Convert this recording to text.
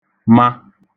ma